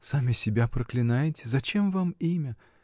— Сами себя проклинаете: зачем вам имя?